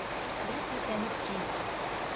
Рәхәтләнеп ки!